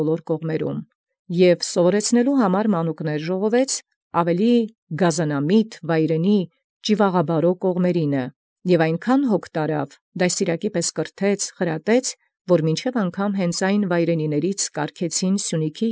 Եւ ժողովեալ մանկունս առ ի նիւթ վարդապետութեանն, առաւել զգազանամիտ զվայրենագոյն զճիւաղաբարոյ կողմանցն. և այնչափ փոյթ ի վերայ ունելով՝ և դայեկաբար սնուցանել և խրատել, մինչև ի նոցունց իսկ ի վայրենեացն եպիսկոպոս տեսուչ։